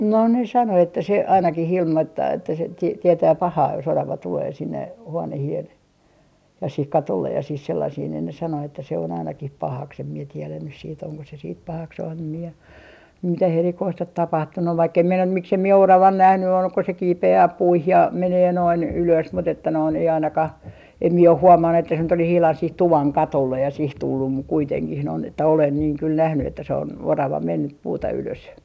no ne sanoi että se ainakin ilmoittaa että se - tietää pahaa jos orava tulee sinne huoneeseen ja siihen katolle ja siihen sellaiseen niin ne sanoi että se on ainakin pahaksi en minä tiedä nyt sitten onko se sitten pahaksi en minä mitään erikoista ole tapahtunut vaikka en minä miksi en minä oravan nähnyt ole kun se kiipeää puihin ja menee noin ylös mutta että noin ei ainakaan en minä ole huomannut että se nyt olisi ihan siihen tuvan katolle ja siihen tullut mutta kuitenkin noin että olen niin kyllä nähnyt että se on orava mennyt puuta ylös